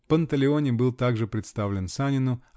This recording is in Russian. Панталеоне был также представлен Санину.